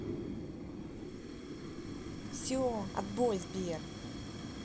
все отбой сбер